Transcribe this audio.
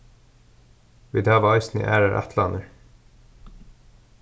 vit hava eisini aðrar ætlanir